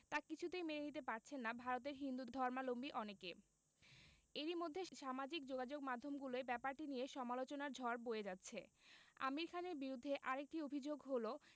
তা কিছুতেই মেনে নিতে পারছেন না ভারতের হিন্দুধর্মাবলম্বী অনেকে এরই মধ্যে সামাজিক যোগাযোগমাধ্যমগুলোয় ব্যাপারটি নিয়ে সমালোচনার ঝড় বয়ে যাচ্ছে আমির খানের বিরুদ্ধে আরেকটি অভিযোগ হলো